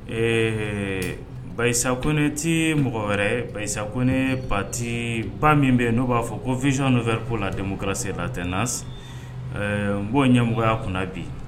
Ee Bayisa Kɔne ti mɔgɔ wɛrɛ ye Bayisa Kɔnɛ ye parti ba min bɛ ye n'u b'a fɔ ko vision nouvelle pour la démocratie et l'alternance ɛɛ n b'o ɲɛmɔgɔya kunna bi